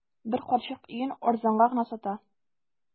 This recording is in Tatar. Бер карчык өен арзанга гына сата.